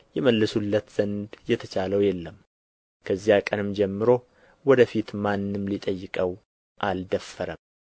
ይመልሱለት ዘንድ የተቻለው የለም ከዚያ ቀንም ጀምሮ ወደ ፊት ማንም ሊጠይቀው አልደፈረም